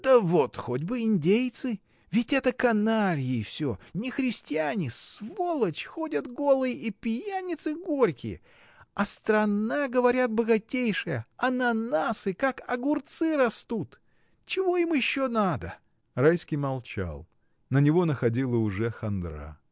— Да вот хоть бы индейцы: ведь это канальи всё, не христиане, сволочь, ходят голые, и пьяницы горькие: а страна, говорят, богатейшая, ананасы, как огурцы, растут. Чего им еще надо? Райский молчал. На него находила уже хандра.